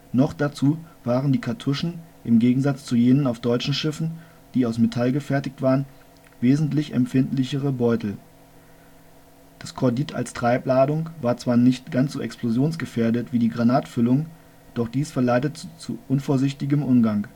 Noch dazu waren die Kartuschen, im Gegensatz zu jenen auf deutschen Schiffen, die aus Metall gefertigt waren, wesentlich empfindlichere Beutel. Das Kordit als Treibladung war zwar nicht ganz so explosionsgefährdet wie die Granatfüllungen, doch dies verleitete zu unvorsichtigem Umgang